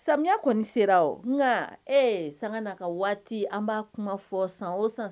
Samiyɛ kɔni sera nka sanga n'a ka waati an b'a kuma fɔ san o san.